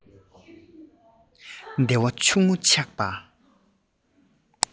བདེ བ ཆུང ངུ ཆགས པ